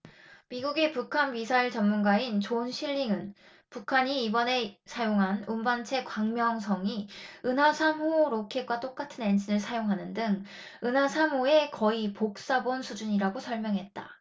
미국의 북한 미사일 전문가인 존 실링은 북한이 이번에 사용한 운반체 광명성이 은하 삼 호 로켓과 똑같은 엔진을 사용하는 등 은하 삼 호의 거의 복사본 수준이라고 설명했다